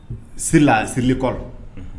ceux-là c'est l'école.